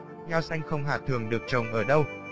nho xanh không hạt được trồng ở đâu